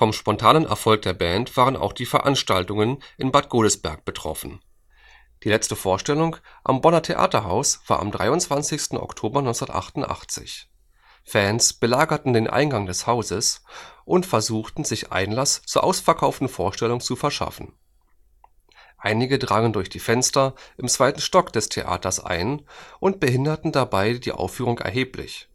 spontanen Erfolg der Band waren auch die Veranstaltungen in Bad Godesberg betroffen. Die letzte Vorstellung am Bonner Theaterhaus war am 23. Oktober 1988. Fans belagerten den Eingang des Hauses und versuchten, sich Einlass zur ausverkauften Vorstellung zu verschaffen. Einige drangen durch die Fenster im zweiten Stock des Theaters ein und behinderten dabei die Aufführungen erheblich